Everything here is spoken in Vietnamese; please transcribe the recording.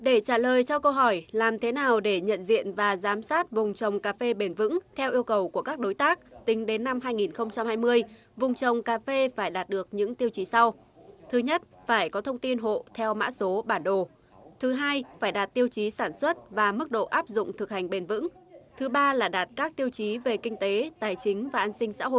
để trả lời cho câu hỏi làm thế nào để nhận diện và giám sát vùng trồng cà phê bền vững theo yêu cầu của các đối tác tính đến năm hai nghìn không trăm hai mươi vùng trồng cà phê phải đạt được những tiêu chí sau thứ nhất phải có thông tin hộ theo mã số bản đồ thứ hai phải đạt tiêu chí sản xuất và mức độ áp dụng thực hành bền vững thứ ba là đạt các tiêu chí về kinh tế tài chính và an sinh xã hội